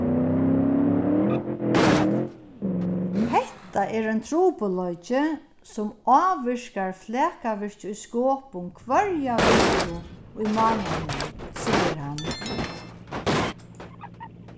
hetta er ein trupulleiki sum ávirkar flakavirkið í skopun hvørja viku í mánaðinum sigur hann